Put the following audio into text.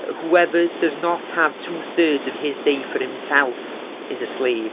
Whoever does not have two thirds of his day for himself is a slave